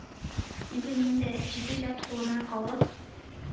Инде мин дә, җиде ят кулына калып